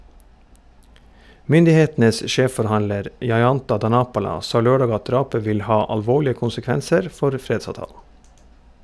Myndighetenes sjefforhandler, Jayantha Dhanapala, sa lørdag at drapet vil ha alvorlige konsekvenser for fredsavtalen.